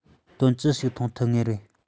དོན ཅི ཞིག ཐོན ཐུབ ངེས ཡིན